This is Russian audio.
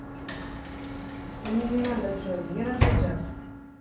мне не надо джой мне надо jack